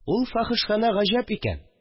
Ул фәхешханә гаҗәп икән